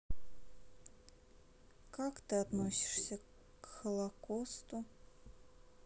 как ты относишься к холокосту